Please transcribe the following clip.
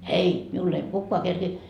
ei minulle ei kukaan kerkiä